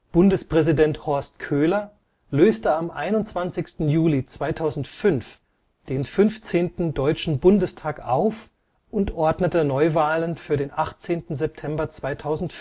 Bundespräsident Horst Köhler löste am 21. Juli 2005 den 15. Deutschen Bundestag auf und ordnete Neuwahlen für den 18. September 2005